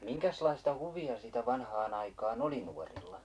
minkäslaista huvia sitä vanhaan aikaan oli nuorilla